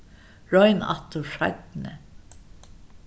royn aftur seinni